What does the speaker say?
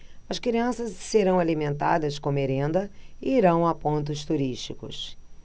as crianças serão alimentadas com merenda e irão a pontos turísticos